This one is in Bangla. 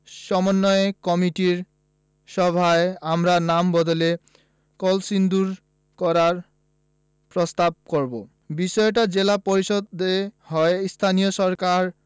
সমন্বয় কমিটির সভায় আমরা নাম বদলে কলসিন্দুর করার প্রস্তাব করব বিষয়টা জেলা পরিষদ হয়ে স্থানীয় সরকার